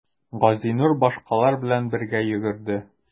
Газинур башкалар белән бергә йөгерде.